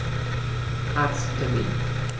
Arzttermin